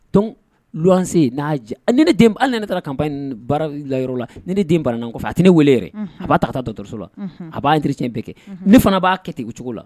Tɔn se n'a taara kaba ni bara layɔrɔ la ni ne den barain kɔfɛ a tɛ ne weele yɛrɛ a b'a ta taa dɔgɔtɔrɔso la a b'a teri tiɲɛ bɛɛ kɛ ne fana b'a kɛ ten o cogo la